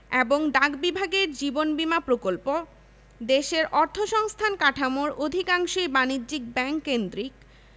এবং ডাক বিভাগের জীবন বীমা প্রকল্প দেশের অর্থসংস্থান কাঠামোর অধিকাংশই বাণিজ্যিক ব্যাংক কেন্দ্রিক